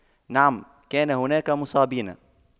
نعم كان هناك مصابين